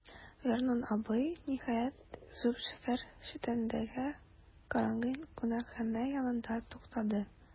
Вернон абый, ниһаять, зур шәһәр читендәге караңгы кунакханә янында туктады.